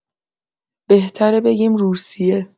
بهتر بگیم روسیه